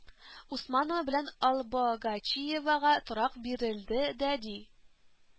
Усманова белән Албогачиевага торак бирелде дә, ди